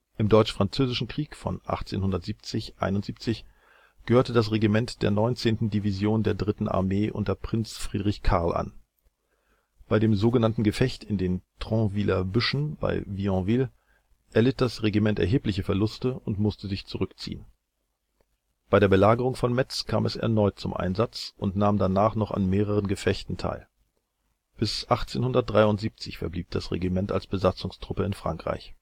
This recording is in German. Im Deutsch-Französischen Krieg von 1870 / 71 gehörte das Regiment der 19. Division der 3. Armee unter Prinz Friedrich Karl an. Bei dem sogenannten Gefecht in den Tronviller Büschen bei Vionville erlitt das Regiment erhebliche Verluste und musste sich zurückziehen. Bei der Belagerung von Metz (→ Festung Metz) kam es erneut zum Einsatz und nahm danach noch an mehreren Gefechten Teil. Bis 1873 verblieb das Regiment als Besatzungstruppe in Frankreich